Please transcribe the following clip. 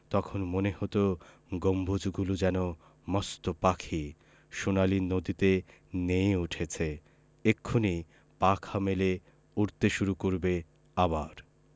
তখন মনে হতো গম্বুজগুলো যেন মস্ত পাখি সোনালি নদীতে নেয়ে উঠেছে এক্ষুনি পাখা মেলে উড়তে শুরু করবে আবার